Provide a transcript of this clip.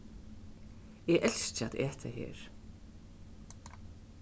eg elski at eta her